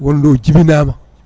wonde o jibinama